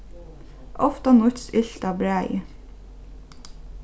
ofta nýtst ilt av bræði